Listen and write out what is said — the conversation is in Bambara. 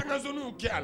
A ka nw kɛ la